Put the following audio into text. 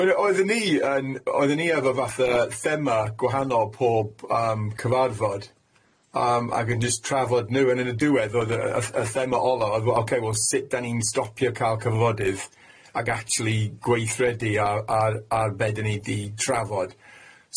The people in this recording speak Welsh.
Wel yy oeddwn i yn oeddwn i efo fatha thema gwahanol pob yym cyfarfod yym ag yn jyst trafod n'w yn yn y diwedd oedd y y y thema ola oedd wel ocê wel sut dan ni'n stopio ca'l cyfarfodydd ag actually gweithredu ar ar ar be' 'dyn ni 'di trafod.